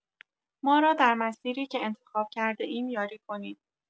ما را در مسیری که انتخاب کرده‌ایم یاری کنید.